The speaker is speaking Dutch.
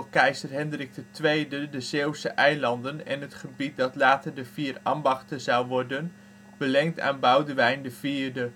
keizer Hendrik II de Zeeuwse eilanden en het gebied dat later de Vier Ambachten zou worden, beleend aan Boudewijn IV